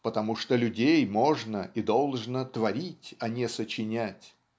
потому что людей можно и должно творить а не сочинять.